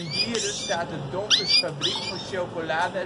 Dieren staat de Donkers fabriek voor Chocolade